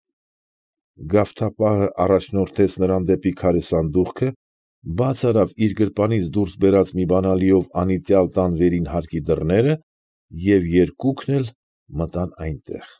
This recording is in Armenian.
Գավթապահը առաջնորդեց նրան դեպի քարե սանդուղքը, բաց արավ իր գրպանից դուրս բերած մի բանալիով անիծյալ տան վերին հարկի դռները, և երկուսն էլ մտան այնտեղ։